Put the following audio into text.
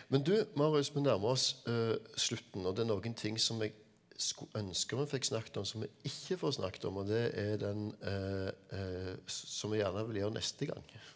men du Marius vi nærmer oss slutten og det er noen ting som jeg skulle ønske vi fikk snakket om som vi ikke får snakket om og det er den som jeg gjerne vil gjøre neste gang.